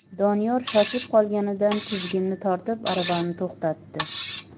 doniyor shoshib qolganidan tizginni tortib aravani to'xtatdi